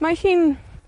Mae hi'n